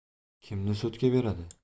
kimni so'tga beradi